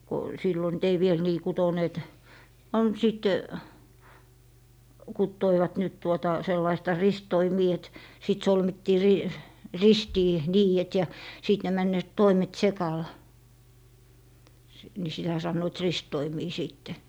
kun silloin nyt ei vielä niin kutoneet on sitten kutoivat nyt tuota sellaista ristitoimia että sitten solmittiin - ristiin niidet ja sitten ne menevät toimet sekali niin sitä sanoivat ristitoimia sitten